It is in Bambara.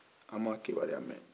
an ma kibaruya mɛn